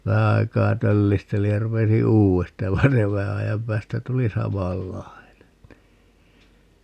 vähän aikaa töllistelin ja rupesin uudesta ja vaan se vähän ajan päästä tuli samanlainen niin